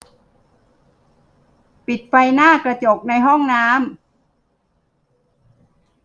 ปิดไฟหน้าจกในห้องน้ำ